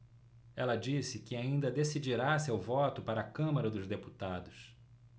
ela disse que ainda decidirá seu voto para a câmara dos deputados